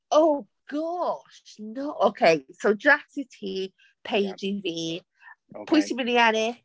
Oh gosh, no- Ok, So Jax i ti, Paige i fi. Pwy sy'n mynd i ennill?